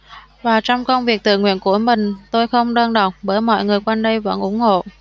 và trong công việc tự nguyện của mình tôi không đơn độc bởi mọi người quanh đây vẫn ủng hộ